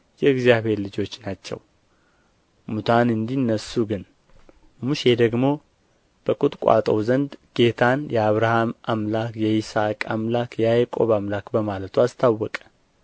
የእግዚአብሔር ልጆች ናቸው ሙታን እንዲነሡ ግን ሙሴ ደግሞ በቍጥቋጦው ዘንድ ጌታን የአብርሃም አምላክ የይስሐቅም አምላክ የያዕቆብም አምላክ በማለቱ አስታወቀ